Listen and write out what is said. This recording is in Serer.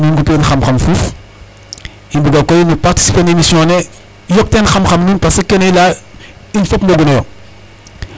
Parce que comme ke i layna nuun rek ka i opof mene rek mais nuun nqupu in xam xam fuuf i mbuga koy nu parciciper no émission ne yoq teen xam xam nuun parce que kene i laya in fop mbogunooyo .